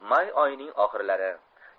may oyining oxirlari